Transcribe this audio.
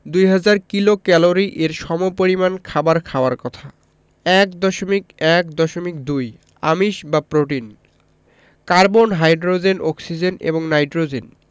২০০০ kilocalorie এর সমপরিমান খাবার খাওয়ার কথা ১.১.২ আমিষ বা প্রোটিন কার্বন হাইড্রোজেন অক্সিজেন এবং নাইট্রোজেন